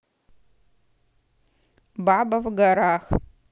баба в горах